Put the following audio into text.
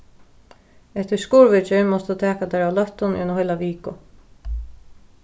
eftir skurðviðgerð mást tú taka tær av løttum í eina heila viku